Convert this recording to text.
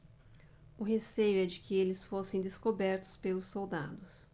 o receio era de que eles fossem descobertos pelos soldados